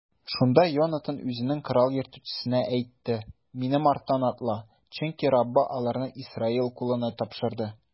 Шунда Йонатан үзенең корал йөртүчесенә әйтте: минем арттан атла, чөнки Раббы аларны Исраил кулына тапшырды.